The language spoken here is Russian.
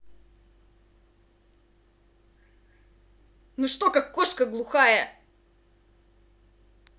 ну что как кошка глухая